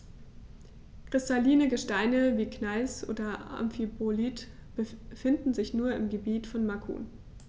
Kristalline Gesteine wie Gneis oder Amphibolit finden sich nur im Gebiet von Macun.